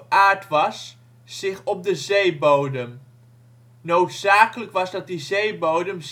aardwas, zich op de zeebodem. Noodzakelijk was dat die zeebodem